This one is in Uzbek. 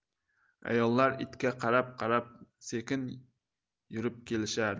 ayollar itga qarab qarab sekin yurib kelishardi